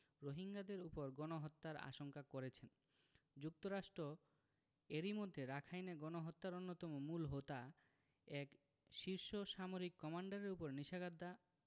রোহিঙ্গাদের ওপর গণহত্যার আশঙ্কা করেছেন যুক্তরাষ্ট্র এরই মধ্যে রাখাইনে গণহত্যার অন্যতম মূল হোতা এক শীর্ষ সামরিক কমান্ডারের ওপর নিষেধাজ্ঞা